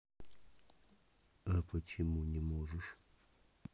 а почему не можешь